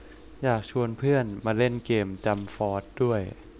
อยากชวนเพื่อนมาเล่นเกมจั๊มฟอสด้วย